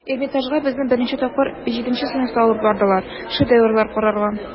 Эрмитажга безне беренче тапкыр җиденче сыйныфта алып бардылар, шедеврлар карарга.